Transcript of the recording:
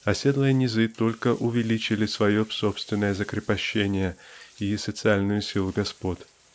оседлые низы только увеличили свое собственное закрепощение и социальную силу "господ".